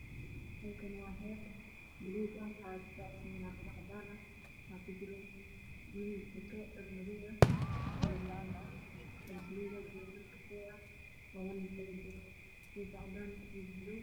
Halkaan waa xeeb buluug ah waxaa kudaasan warqado cadaan ah, waxaa kujiro wiil wato dhar madow ah iyo kafay, labo nin oo koofiyo wato.